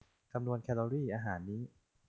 คำนวณแคลอรี่อาหารนี้